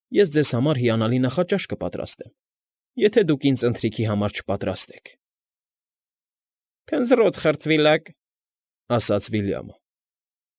Ես ձեզ համար հիանալի նախաճաշ կպատրաստեմ, եթե դուք ինձ ընթրիքի համար չպատրաստեք։ ֊ Քնձռոտ խրտվիլակ,֊ ասաց Վիլյամը։